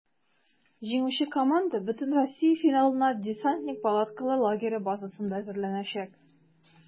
Җиңүче команда бөтенроссия финалына "Десантник" палаткалы лагере базасында әзерләнәчәк.